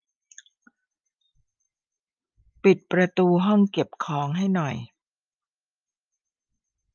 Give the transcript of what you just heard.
ปิดประตูห้องเก็บของให้หน่อย